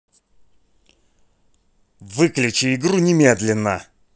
выключи игру немедленно